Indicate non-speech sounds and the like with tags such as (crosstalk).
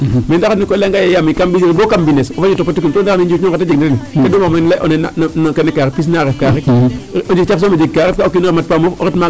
Mais ndaxar ne koy a layanga ye yaam kaam ɓisiidin bo kaam mbindes o fañ o topatukino to o ga' o njirñ onqe ta jegna meen (unintelligible) kene kaa pis naa refka rek a jeg. (unintelligible)